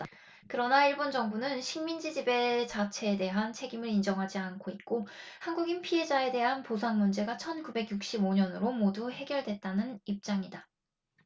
그러나 일본 정부는 식민지 지배 자체에 대한 책임을 인정하지 않고 있고 한국인 피해자에 대한 보상 문제가 천 구백 육십 오 년으로 모두 해결됐다는 입장이다